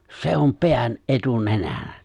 se on pään etunenänä